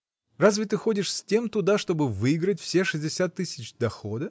Разве ты ходишь с тем туда, чтоб выиграть все шестьдесят тысяч дохода?